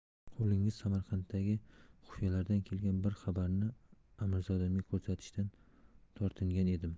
qulingiz samarqanddagi xufiyalardan kelgan bir xabarni amirzodamga ko'rsatishdan tortingan edim